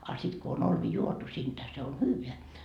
a sitten kun on olvi juotu siitä se on hyvää